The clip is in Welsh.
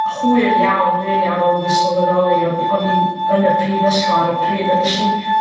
hwyr iawn rili ar ôl i fi sylweddoli, o' fi... O'n i'n yn y prifysgol ar y pryd a nesh i